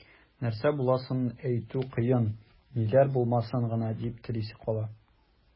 Нәрсә буласын әйтү кыен, ниләр булмасын гына дип телисе кала.